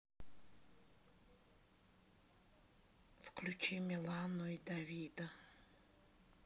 включи милану и давида